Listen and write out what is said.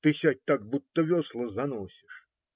- Ты сядь так, будто весла заносишь.